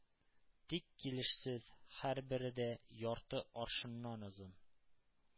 Тик килешсез — һәрбере дә ярты аршыннан озын.